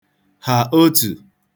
hà otù